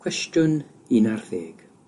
Cwestiwn un ar ddeg: